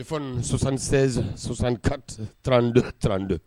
téléphone 76 64 32 32